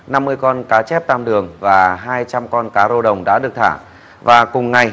năm mươi con cá chép tam đường và hai trăm con cá rô đồng đã được thả và cùng ngày